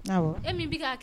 E min bɛ'